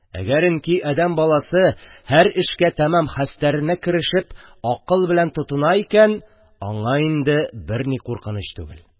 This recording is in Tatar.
Әгәренки әдәм баласы һәр эшкә тамам хәстәренә керешеп, акыл белән тотына икән, аңа инде берни куркыныч түгел.